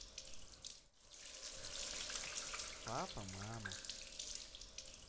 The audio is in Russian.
папа мама